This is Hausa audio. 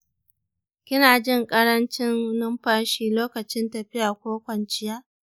kina jin ƙarancin numfashi lokacin tafiya ko kwanciya?